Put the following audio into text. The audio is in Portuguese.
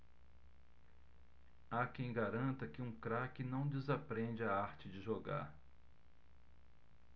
há quem garanta que um craque não desaprende a arte de jogar